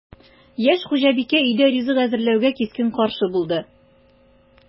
Яшь хуҗабикә өйдә ризык әзерләүгә кискен каршы булды: